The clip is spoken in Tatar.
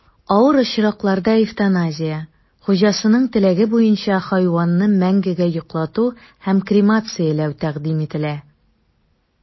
Авыр очракларда эвтаназия (хуҗасының теләге буенча хайванны мәңгегә йоклату һәм кремацияләү) тәкъдим ителә.